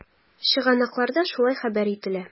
Чыганакларда шулай хәбәр ителә.